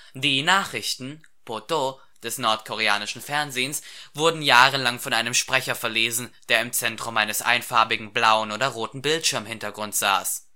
Die Nachrichten (Poto) des nordkoreanischen Fernsehens wurden jahrelang von einem Sprecher verlesen, der im Zentrum eines einfarbigen blauen oder roten Bildschirmhintergrunds saß